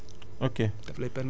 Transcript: feebar